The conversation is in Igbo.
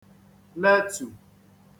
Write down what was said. letù